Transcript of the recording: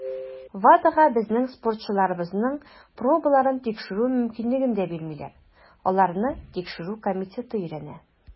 WADAга безнең спортчыларыбызның пробаларын тикшерү мөмкинлеген дә бирмиләр - аларны Тикшерү комитеты өйрәнә.